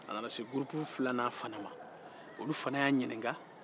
a nana se gurupu fiilanan fana ma olu fana y'a ɲininkan